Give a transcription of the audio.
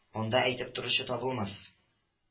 Анда әйтеп торучы табылмас